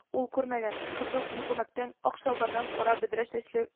Ул күрмәгән, кызыл кү күмәктән, ак чалбардан, кара бөдрә чәчле